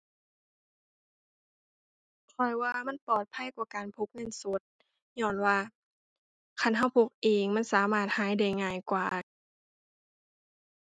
ข้อยว่ามันปลอดภัยกว่าการพกเงินสด ญ้อนว่าคันเราพกเองมันสามารถหายได้ง่ายกว่า